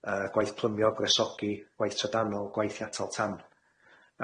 yy gwaith plymio, gwresogi, gwaith trydanol, gwaith atal tamp.